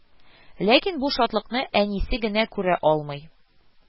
Ләкин бу шатлыкны әнисе генә күрә алмый